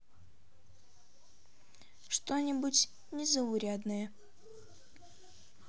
что нибудь незаурядное